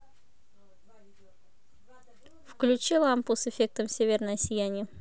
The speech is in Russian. включи лампу с эффектом северное сияние